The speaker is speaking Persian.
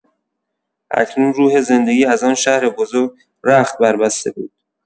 اکنون روح زندگی از آن شهر بزرگ رخت بربسته بود.